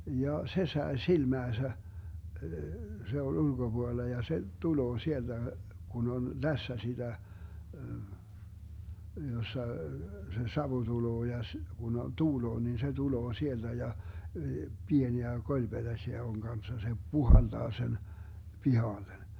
ja se sai silmäänsä se oli ulkopuolella ja se tulee sieltä kun on läsnä sitä jossa se savu tulee ja - kun - tuulee niin se tulee sieltä ja pieniä kolipetäsiä on kanssa se puhaltaa sen pihalle